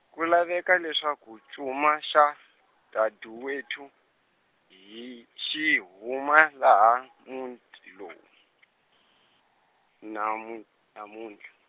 ku laveka leswaku cuma xa , Daduwethu, hi xi huma laha munti- lowu, namu, namuntlha.